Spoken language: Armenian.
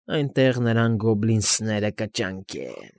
Այնտեղ նրան գոբլինս֊ս֊սները կճանկեն։